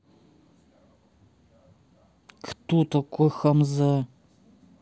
кто такой хамза